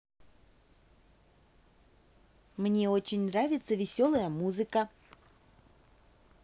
мне очень нравится веселая музыка